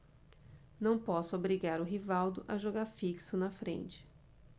não posso obrigar o rivaldo a jogar fixo na frente